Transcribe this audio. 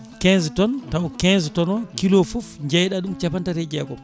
quinze tonnes taw quinze tonnes o noon kilo foof jeeyɗa ɗum capantati e jeegom